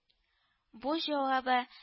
Бу җавабы